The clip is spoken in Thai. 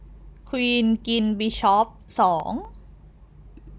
ควีนกินบิชอปสอง